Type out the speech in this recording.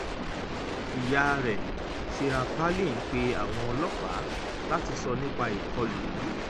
Ìyá rẹ̀, Sarah Palin, pe àwọn ọlọ́pàá láti ṣo nípa ìkọlù yìí.